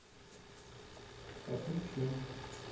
сосут член